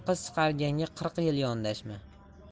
qiz chiqarganga qirq yil yondashma